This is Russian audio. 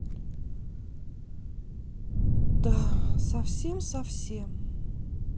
да совсем совсем